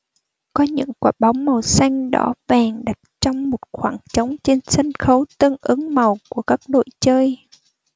có những quả bóng màu xanh đỏ vàng đặt trong một khoảng trống trên sân khấu tương ứng màu của các đội chơi